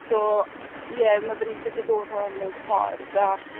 so ie ma' fe'n eitha diddorol mewn ffordd a